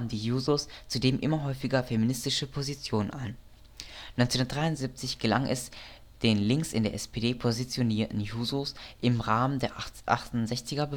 Jusos zudem immer häufiger feministische Positionen ein. 1973 gelang es den links der SPD positionierten Jusos im Rahmen der 68er-Bewegung